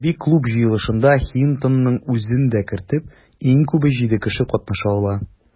Әдәби клуб җыелышында, Хинтонның үзен дә кертеп, иң күбе җиде кеше катнаша ала.